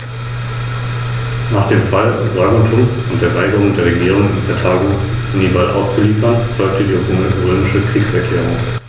Der Mensch steht im Biosphärenreservat Rhön im Mittelpunkt.